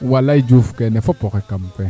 walay Diouf keene fop oxey kam fee